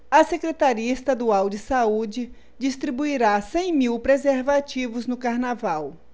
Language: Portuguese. a secretaria estadual de saúde distribuirá cem mil preservativos no carnaval